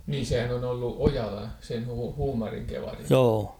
niin sehän on ollut Ojala sen Huumarin kievarin nimi